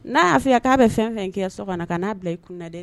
N'a'a fɔ k'a bɛ fɛn kɛ so kɔnɔ na ka n'a bila i kun dɛɛ